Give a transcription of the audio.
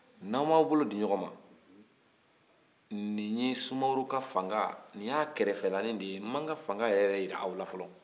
n'aw m'aw bolo di ɲɔgɔn ma nin ye sumworo ka fanga nin y'a kɛrɛfɛlani de ye n ma n ka fanga yɛrɛ yɛrɛ jir'aw la fɔlɔ